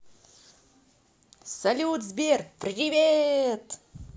салют сбер привет